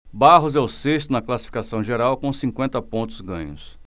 barros é o sexto na classificação geral com cinquenta pontos ganhos